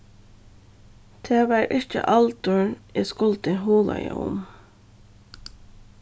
tað var ikki aldur eg skuldi hugleiða um